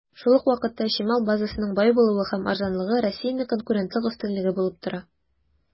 Шул ук вакытта, чимал базасының бай булуы һәм арзанлыгы Россиянең конкурентлык өстенлеге булып тора.